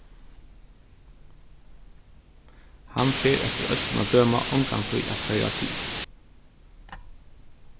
hann fer eftir øllum at døma ongantíð at hoyra til